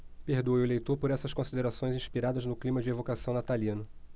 perdoe o leitor por essas considerações inspiradas no clima de evocação natalino